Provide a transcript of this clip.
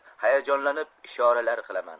hayajonlanib ishoralar qilaman